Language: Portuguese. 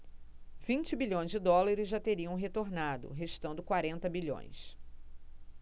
vinte bilhões de dólares já teriam retornado restando quarenta bilhões